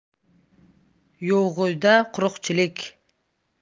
yo'g'ida quruqchilik